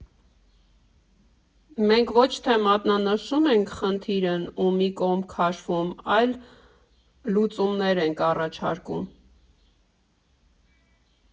Մենք ոչ թե մատնանշում ենք խնդիրն ու մի կողմ քաշվում, այլ լուծումներ ենք առաջարկում։